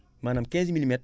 maanaam 15 milimètre